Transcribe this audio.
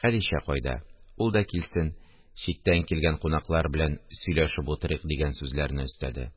Хәдичә кайда? Ул да килсен, читтән килгән кунаклар белән сөйләшеп утырыйк, – дигән сүзләрне өстәде